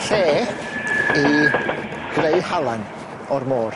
Lle i yy greu halan o'r môr.